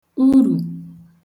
urù